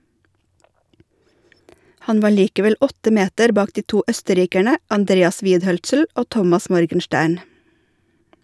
Han var likevel åtte meter bak de to østerrikerne Andreas Widhölzl og Thomas Morgenstern.